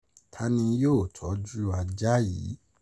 Tani yóò tọ́jú ajá yìí?